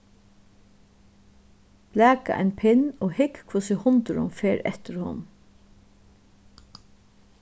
blaka ein pinn og hygg hvussu hundurin fer eftir honum